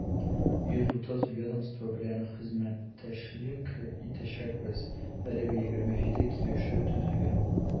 130 ведомство белән хезмәттәшлек итәчәкбез, әлегә 27 килешү төзелгән.